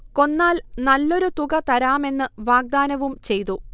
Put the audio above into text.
കൊന്നാൽ നല്ലൊരു തുക തരാമെന്ന് വാഗ്ദാനവും ചെയ്തു